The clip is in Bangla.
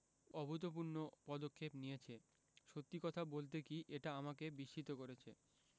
অভূতপূর্ণ পদক্ষেপ নিয়েছে সত্যি কথা বলতে কি এটা আমাকে বিস্মিত করেছে